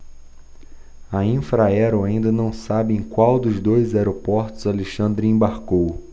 a infraero ainda não sabe em qual dos dois aeroportos alexandre embarcou